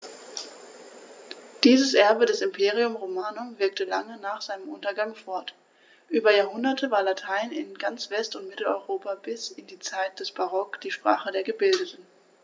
Dieses Erbe des Imperium Romanum wirkte lange nach seinem Untergang fort: Über Jahrhunderte war Latein in ganz West- und Mitteleuropa bis in die Zeit des Barock die Sprache der Gebildeten.